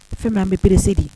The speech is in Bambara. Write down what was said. Fɛn an bɛ peresedi